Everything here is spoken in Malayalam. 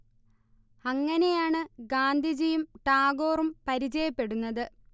അങ്ങനെയാണ് ഗാന്ധിജിയും ടാഗോറും പരിചയപ്പെടുന്നത്